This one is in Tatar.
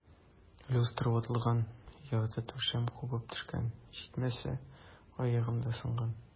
Люстра ватылган, ярты түшәм кубып төшкән, җитмәсә, аягым да сынган.